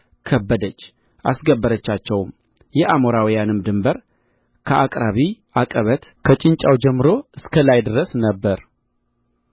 ከበደች አስገበረቻቸውም የአሞራውያንም ድንበር ከአቅረቢም ዐቀበት ከጭንጫው ጀምሮ እስከ ላይ ድረስ ነበረ